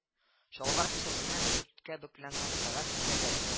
Чалбар кесәсеннән дүрткә бөкләнгән кәгазь кисәге